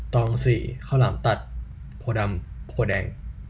ตองสี่ข้าวหลามตัดโพธิ์ดำโพธิ์แดง